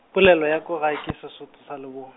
pefelo ya ko gae ke Sesotho sa Leboa.